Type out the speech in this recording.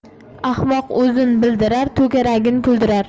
ahmoq o'zin bildirar to'garagin kuldirar